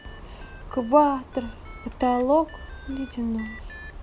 кватро потолок ледяной